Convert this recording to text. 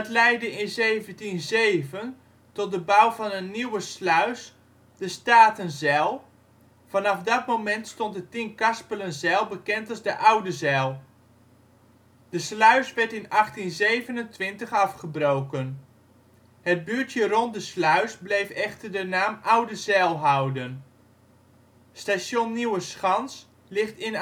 leidde in 1707 tot de bouw van een nieuwe sluis: de Statenzijl. Vanaf dat moment stond de Tienkarspelenzijl bekend als de Oudezijl. De sluis werd in 1827 afgebroken. Het buurtje rond de sluis bleef echter de naam Oudezijl houden. Station Nieuweschans ligt in